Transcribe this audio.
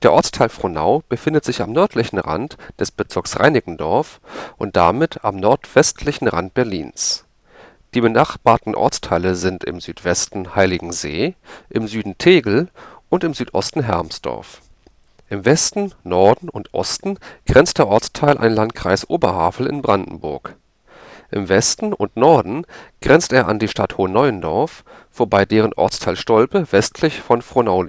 Ortsteil Frohnau befindet sich am nördlichen Rand des Bezirks Reinickendorf und damit am nordwestlichen Rand Berlins. Die benachbarten Ortsteile sind im Südwesten Heiligensee, im Süden Tegel und im Südosten Hermsdorf. Im Westen, Norden und Osten grenzt der Ortsteil an den Landkreis Oberhavel in Brandenburg. Im Westen und Norden grenzt er an die Stadt Hohen Neuendorf, wobei deren Ortsteil Stolpe westlich von Frohnau